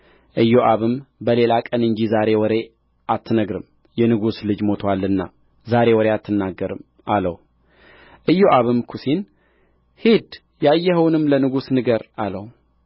ኢዮአብም በሌላ ቀን እንጂ ዛሬ ወሬ አትናገርም የንጉሥ ልጅ ሞቶአልና ዛሬ ወሬ አትናገርም አለው ኢዮአብም ኵሲን ሂድ ያየኸውንም ለንጉሡ ንገር አለው